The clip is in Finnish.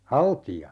haltia